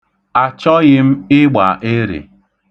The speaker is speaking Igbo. Achọghị m ịgba ere.